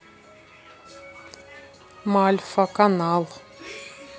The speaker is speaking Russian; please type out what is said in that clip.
malfa канал